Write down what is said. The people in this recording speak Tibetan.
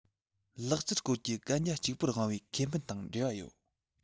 ལག རྩལ སྐོར གྱི གན རྒྱ གཅིག པུར དབང བའི ཁེ ཕན དང འབྲེལ བ ཡོད